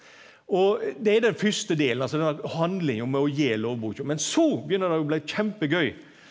og det er den fyrste delen altså denne handlinga med å gje lovboka, men så begynner det å bli kjempegøy.